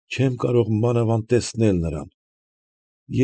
Չեմ կարող մանավանդ տեսնել նրան։